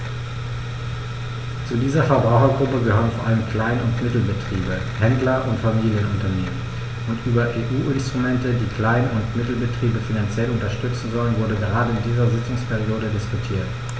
Zu dieser Verbrauchergruppe gehören vor allem Klein- und Mittelbetriebe, Händler und Familienunternehmen, und über EU-Instrumente, die Klein- und Mittelbetriebe finanziell unterstützen sollen, wurde gerade in dieser Sitzungsperiode diskutiert.